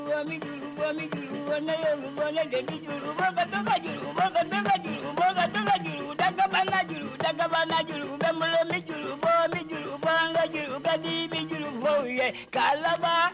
Mmjjj jaj daba laj la laj bɛ 20j bɛj bangelaj kaji bɛjug ye ka laban